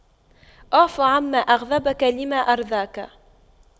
اعف عما أغضبك لما أرضاك